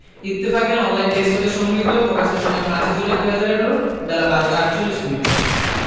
ইত্তফাকের online desk হতে সংগৃহীত প্রকাশের সময় ৫ ই জুলাই ২০১৮ বেলা১২টা ৪৮ মিনিট